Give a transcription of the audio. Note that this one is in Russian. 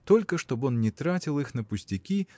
только чтоб он не тратил их на пустяки